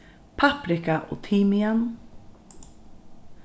paprika og timian